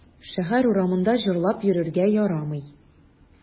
Шәһәр урамында җырлап йөрергә ярамый.